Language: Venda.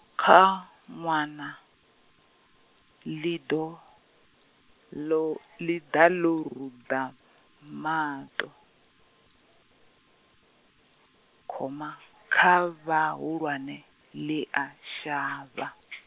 kha ṅwana, ḽi ḓo, ḽo ḽi da ḽo ruḓa maṱo, khoma kha vhahulwane, ḽia shavha.